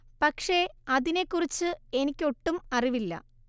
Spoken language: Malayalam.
പക്ഷെ അതിനെ കുറിച്ച് എനിക്കു ഒട്ടും അറിവില്ല